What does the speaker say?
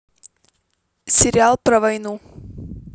сериал про войну